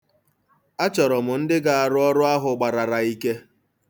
Achọrọ m ndị ga-arụ ọrụ ahụ gbarara ike.